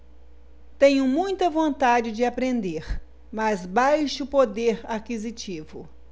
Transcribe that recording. tenho muita vontade de aprender mas baixo poder aquisitivo